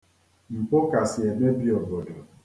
Mpụ kasị emebi obodo.